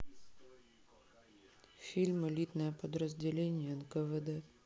фильм элитное подразделение нквд